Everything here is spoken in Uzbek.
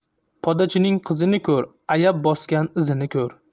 podachining qizini ko'r ayab bosgan izini ko'r